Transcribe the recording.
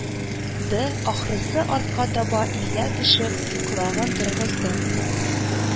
Ды, ахрысы, артка таба иелә төшеп, колагын торгызды